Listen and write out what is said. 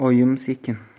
dedi oyim sekin